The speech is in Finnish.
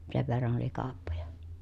sen verran oli kauppoja